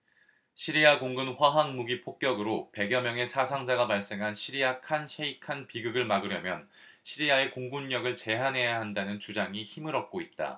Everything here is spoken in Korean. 시리아 공군 화학무기 폭격으로 백 여 명의 사상자가 발생한 시리아 칸 셰이칸 비극을 막으려면 시리아의 공군력을 제한해야 한다는 주장이 힘을 얻고 있다